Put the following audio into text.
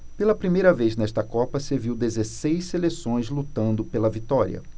pela primeira vez nesta copa se viu dezesseis seleções lutando pela vitória